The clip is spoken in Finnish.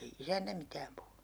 ei isäntä mitään puhunut